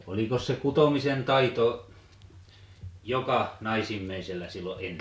olikos se kutomisen taito joka naisihmisellä silloin ennen